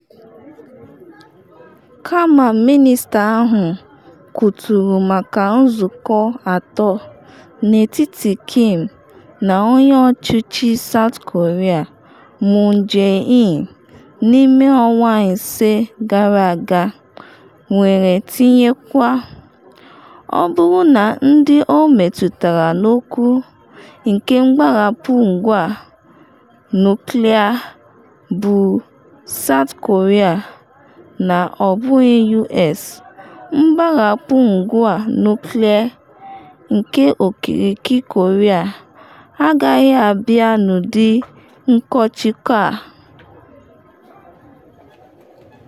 Kama mịnịsta ahụ kwuturu maka nzụkọ atọ n’etiti Kim na onye ọchịchị South Korea Moon Jae-in n’ime ọnwa ise gara aga were tinyekwa: “Ọ bụrụ na ndị ọ metutara n’okwu nke mgbarapụ ngwa nuklịa bụ South Korea na ọ bụghị U.S, mgbarapụ ngwa nuklịa nke okirikiri Korea agaghị abịa n’ụdị nkụchikọ a.”